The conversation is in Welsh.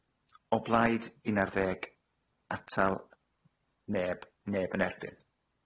O blaid, un ar ddeg. Atal, neb, neb yn erbyn.